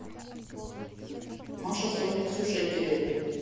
маша соня ксюша и кирилл